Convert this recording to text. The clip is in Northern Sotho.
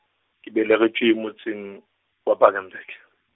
ke belegetšwe motseng, wa Bakenberg.